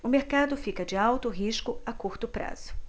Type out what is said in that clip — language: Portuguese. o mercado fica de alto risco a curto prazo